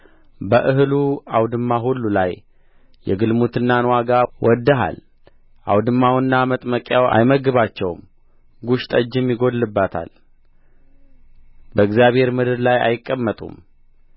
በእህሉ አውድማ ሁሉ ላይ የግልሙትናን ዋጋ ወድደሃል አውድማውና መጥመቂያው አይመግባቸውም ጉሽ ጠጅም ይጐድልባታል በእግዚአብሔር ምድር ላይ አይቀመጡም